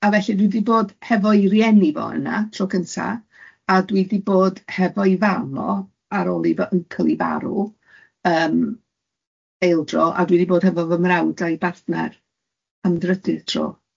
A felly dwi di bod hefo'i rieni fo yna tro cynta, a dwi di bod hefo'i fam, o ar ôl i fy uncle i farw yym eildro, a dwi di bod hefo fy mrawd a'i bartner am drydydd tro.